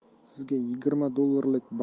sizga yigirma dollarlik